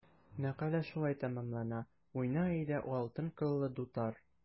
Мәкалә шулай тәмамлана: “Уйна, әйдә, алтын кыллы дутар!"